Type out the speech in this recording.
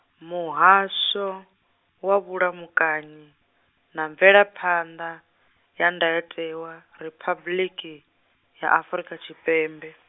Muhasho, wa Vhulamukanyi, na Mvelaphanḓa, ya Ndayotewa Riphabuḽiki, ya Afrika Tshipembe.